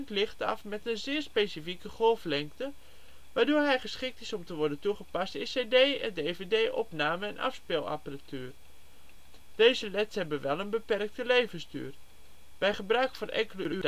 licht af met een zeer specifieke golflengte, waardoor hij geschikt is om te worden toegepast in cd - en dvd-opname - en afspeelapparatuur. Deze LED 's hebben wel een beperkte levensduur. Bij gebruik van enkele